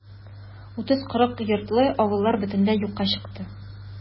30-40 йортлы авыллар бөтенләй юкка чыкты.